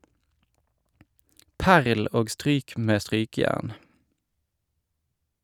Perl, og stryk med strykejern.